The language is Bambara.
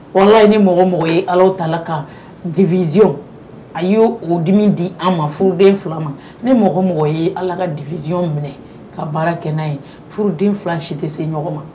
Walayi ni mɔgɔ mɔgɔ ye ala ta ka diz a y'o o dimi di a ma furuden fila ma ni mɔgɔ mɔgɔ ye ala ka dizy minɛ ka baara kɛ n'a ye furuden fila si tɛ se ɲɔgɔn ma